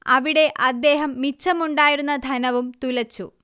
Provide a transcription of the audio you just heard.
അവിടെ അദ്ദേഹം മിച്ചമുണ്ടായിരുന്ന ധനവും തുലച്ചു